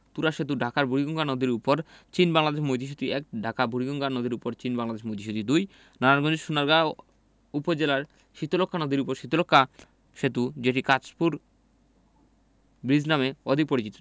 ত্বরা সেতু ঢাকায় বুড়িগঙ্গা নদীর উপর চীন বাংলাদেশ মৈত্রী সেতু ১ ঢাকায় বুড়িগঙ্গা নদীর উপর চীন বাংলাদেশ মৈত্রী সেতু ২ নারায়ণগঞ্জের সোনারগাঁও উপজেলায় শীতলক্ষ্যা নদীর উপর শীতলক্ষ্যা সেতু যেটি কাঁচপুর ব্রীজ নামে অধিক পরিচিত